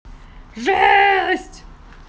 жесть